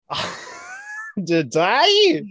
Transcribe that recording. Did I?